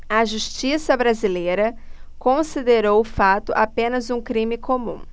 a justiça brasileira considerou o fato apenas um crime comum